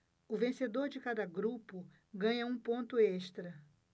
o vencedor de cada grupo ganha um ponto extra